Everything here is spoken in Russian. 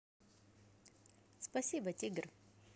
спасибо тигр